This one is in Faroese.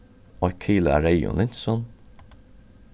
eitt kilo av reyðum linsum